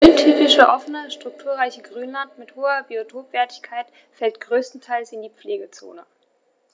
Das rhöntypische offene, strukturreiche Grünland mit hoher Biotopwertigkeit fällt größtenteils in die Pflegezone.